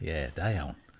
Ie, da iawn.